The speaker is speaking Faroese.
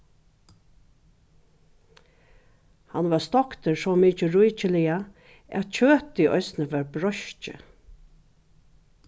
hann var stoktur so mikið ríkiliga at kjøtið eisini var broyskið